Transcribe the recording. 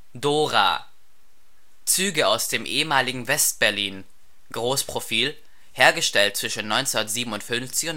Dora “), Züge aus dem ehemaligen West-Berlin, Großprofil, hergestellt zwischen 1957